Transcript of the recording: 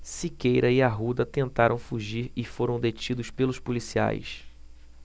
siqueira e arruda tentaram fugir e foram detidos pelos policiais